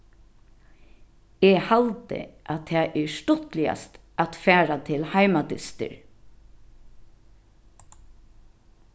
eg haldi at tað er stuttligast at fara til heimadystir